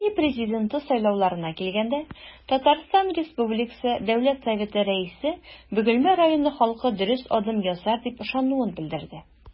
Россия Президенты сайлауларына килгәндә, ТР Дәүләт Советы Рәисе Бөгелмә районы халкы дөрес адым ясар дип ышануын белдерде.